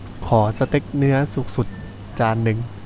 ขอสเต็กเนื้อสุกๆจานนึง